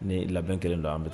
Ni labɛn kelen don an bɛ to